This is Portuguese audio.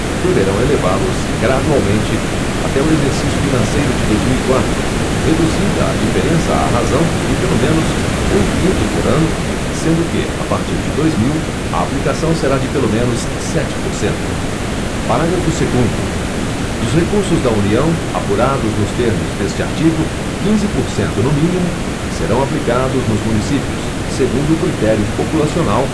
deverão elevá los gradualmente até o exercício financeiro de dois mil e quatro reduzida a diferença à razão de pelo menos um quinto por ano sendo que a partir de dois mil a aplicação será de pelo menos sete por cento parágrafo segundo dos recursos da união apurados nos termos deste artigo quinze por cento no mínimo serão aplicados nos municípios segundo o critério populacional